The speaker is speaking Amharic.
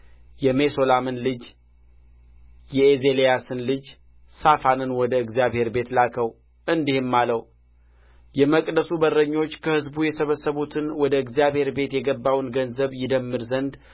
የሜሶላምን ልጅ የኤዜልያስን ልጅ ሳፋንን ወደ እግዚአብሔር ቤት ላከው እንዲህም አለው የመቅደሱ በረኞች ከሕዝቡ የሰበሰቡትን ወደ እግዚአብሔር ቤት የገባውን ገንዘብ ይደምር ዘንድ